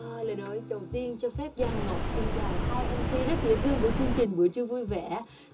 lời đầu tiên cho phép giang ngọc xin chào hai em xi rất dễ thương của chương trình bữa trưa vui vẻ